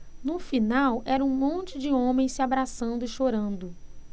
no final era um monte de homens se abraçando e chorando